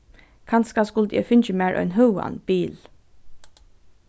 kanska skuldi eg fingið mær ein høgan bil